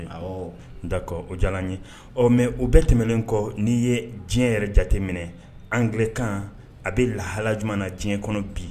Da o diyara ye ɔ mɛ o bɛɛ tɛmɛnen kɔ n'i ye diɲɛ yɛrɛ jate jate minɛ angekan a bɛ lahala jamana na diɲɛ kɔnɔ bi